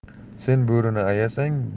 sen bo'rini ayasang